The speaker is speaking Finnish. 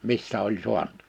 missä oli saanut